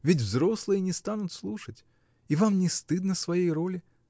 Ведь взрослые не станут слушать. И вам не стыдно своей роли?